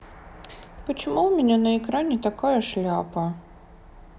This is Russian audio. почему у меня на экране такая шляпа